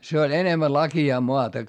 se oli enemmän laakeaa maata